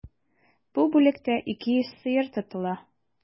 Бу бүлектә 200 сыер тотыла.